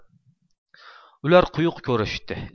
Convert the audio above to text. ular quyuq ko'rishishdi